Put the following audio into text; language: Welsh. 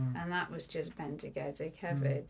And that was just bendigedig hefyd.